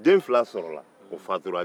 den fila sɔrɔla o fatura